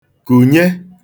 kùnye